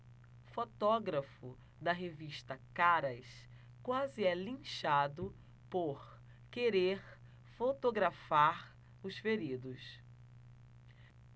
fotógrafo da revista caras quase é linchado por querer fotografar os feridos